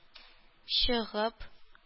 Чыгып